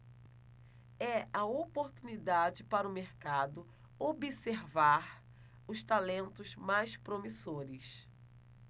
é a oportunidade para o mercado observar os talentos mais promissores